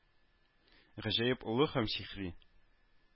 Гаҗәеп олы һәм сихри